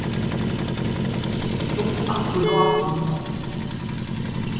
teir sluppu akkurát undan